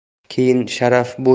keyin sharaf bo'sh